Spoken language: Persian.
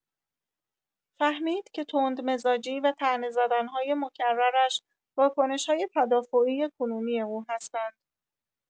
فهمید که تندمزاجی و طعنه‌زدن‌های مکررش واکنش‌های تدافعی کنونی او هستند.